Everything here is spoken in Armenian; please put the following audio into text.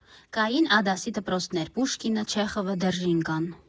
Կային «Ա» դասի դպրոցներ՝ Պուշկինը, Չեխովը, Դերժինկան։